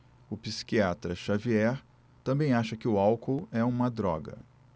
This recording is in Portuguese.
o psiquiatra dartiu xavier também acha que o álcool é uma droga